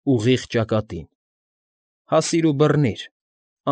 Ուղիղ ճակատին։ Հասիր ու բռնիր։